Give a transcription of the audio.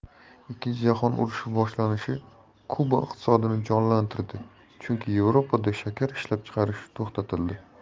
ikkinchi jahon urushi boshlanishi kuba iqtisodiyotini jonlantirdi chunki yevropada shakar ishlab chiqarish to'xtatildi